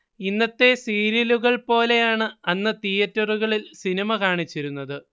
ഇന്നത്തെ സീരിയലുകൾ പോലെയാണ് അന്ന് തിയേറ്ററുകളിൽ സിനിമ കാണിച്ചിരുന്നത്